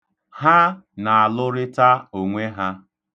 Ha na-alụrịta onwe ha.